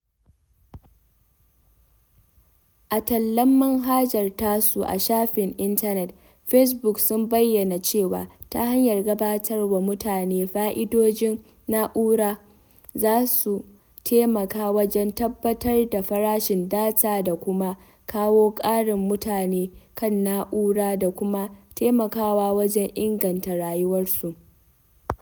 A tallan manhajar tasu a shafin intanet, Facebook sun bayyana cewa "[ta hanyar] gabatarwa mutane fa'idojin na'ura", za su taimaka wajen tabbatar da farashin Data da kuma "kawo ƙarin mutane kan na'ura da kuma taimakawa wajen inganta rayuwarsu."